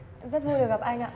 rất vui được gặp anh ạ